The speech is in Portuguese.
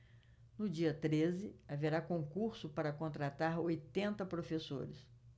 no dia treze haverá concurso para contratar oitenta professores